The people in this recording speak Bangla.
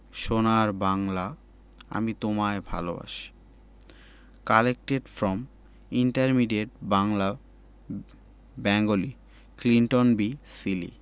সোনার বাংলা আমি তোমায় ভালবাসি collected from intermediate Bangla Bengali Clinton be Seely